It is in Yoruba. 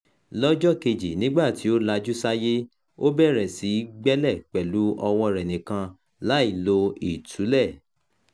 Lọ́jọ́ kejì, nígbà tí ó lajú sáyé, ó bẹ̀rẹ̀ síí gbẹ́lẹ̀ pẹ̀lú ọwọ́ọ rẹ̀ nìkan láì lo ìtúlẹ̀.